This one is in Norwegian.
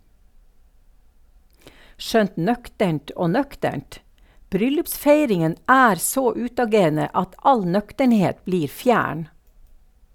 Skjønt nøkternt og nøkternt - bryllupsfeiringen er så utagerende at all nøkternhet blir fjern.